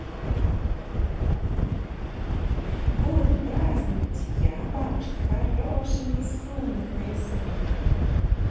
буду праздновать я бабушке хороший рисунок нарисую